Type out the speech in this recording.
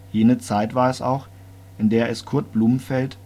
Jene Zeit war es auch, in der es Kurt Blumenfeld